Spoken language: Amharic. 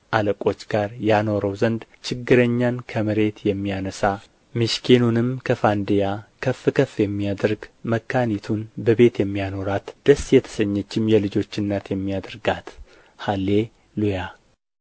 አለቆች ጋር ያኖረው ዘንድ ችግረኛን ከመሬት የሚያነሣ ምስኪኑንም ከፋንድያ ከፍ ከፍ የሚያደርግ መካኒቱን በቤት የሚያኖራት ደስ የተሰኘችም የልጆች እናት የሚያደርጋት ሃሌ ሉያ